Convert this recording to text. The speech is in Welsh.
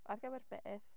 Ar gyfer beth?